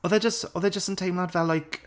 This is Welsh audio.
Odd e jyst odd e jyst yn teimlad fel like,